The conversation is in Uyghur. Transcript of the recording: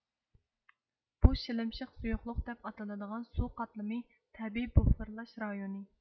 بۇ شىلىمشىق سۇيۇقلۇق دەپ ئاتىلىدىغان سۇ قاتلىمى تەبىئىي بۇففېرلاش رايونى